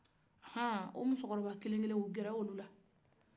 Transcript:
aha o musokɔrɔba kelen kelen gɛrɛ olu la